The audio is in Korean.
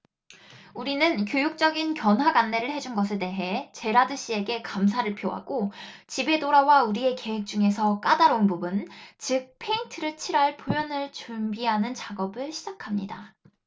우리는 교육적인 견학 안내를 해 준 것에 대해 제라드 씨에게 감사를 표하고 집에 돌아와 우리의 계획 중에서 까다로운 부분 즉 페인트를 칠할 표면을 준비하는 작업을 시작합니다